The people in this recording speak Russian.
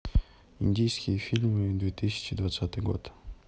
индийские фильмы две тысячи двадцатый год